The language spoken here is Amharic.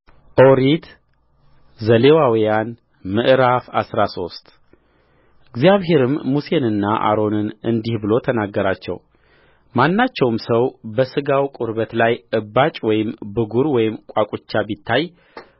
ኦሪት ዘሌዋውያን ምዕራፍ አስራ ሶስት እግዚአብሔርም ሙሴንና አሮንን እንዲህ ብሎ ተናገራቸውማናቸውም ሰው በሥጋው ቁርበት ላይ እባጭ ወይም ብጕር ወይም ቋቁቻ ቢታይ